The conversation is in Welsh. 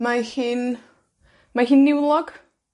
Mae hi'n, mae hi'n niwlog.